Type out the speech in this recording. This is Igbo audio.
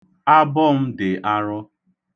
Abọ m dị arọ.